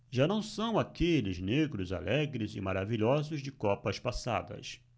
já não são aqueles negros alegres e maravilhosos de copas passadas